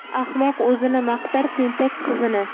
ahmoq o'zini maqtar tentak qizini